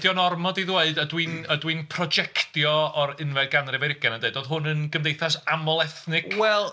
Ydy o'n ormod i ddweud... Ydw i'n ydw i'n projectio o'r unfed ganrif ar 20 yn dweud oedd hwn yn gymdeithas aml ethnic... Wel.